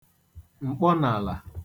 m̀kpọnàlà